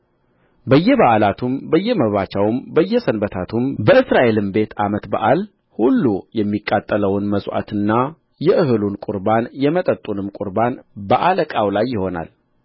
በየበዓላቱም በየመባቻውም በየሰንበታቱም በእስራኤልም ቤት ዓመት በዓል ሁሉ የሚቃጠለውን መሥዋዕትና የእህሉን ቍርባን የመጠጡንም ቍርባን መስጠት በአለቃው ላይ ይሆናል